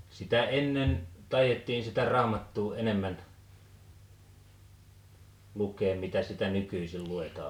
sitä ennen taidettiin sitä Raamattua enemmän lukea mitä sitä nykyisin luetaan